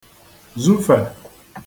-zufè